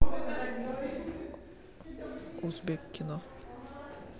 узбек кино